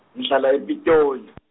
Ngihlala ePitoli .